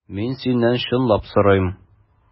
Мин синнән чынлап сорыйм.